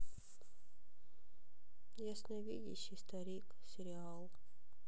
ясновидящий старик сериал